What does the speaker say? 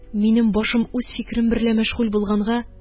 Минем башым үз фикерем берлә мәшгуль булганга